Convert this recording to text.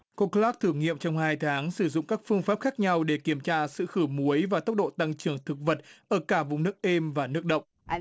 cô cờ lát thử nghiệm trong hai tháng sử dụng các phương pháp khác nhau để kiểm tra sự khử muối và tốc độ tăng trưởng thực vật ở cả vùng đất êm và nước độc